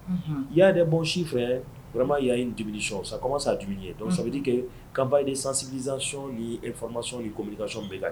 I yaa de bɔ si fɛma y ya ye di sɔn sama san ye sabudi kɛ kanba de sansizma sɔn yeika sɔn bɛɛ la